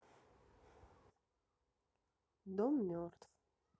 дом мертв